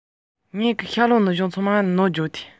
འདི དགོས པ ཨེ རེད